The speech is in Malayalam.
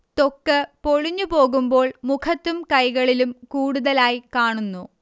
ത്വക്ക് പൊളിഞ്ഞു പോകുമ്പോൾ മുഖത്തും കൈകളിലും കൂടുതലായി കാണുന്നു